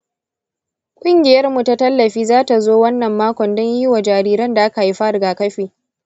ƙungiyarmu ta tallafi za ta zo wannan makon don yi wa jariran da aka haifa rigakafi.